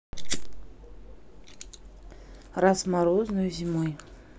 раз морозною зимой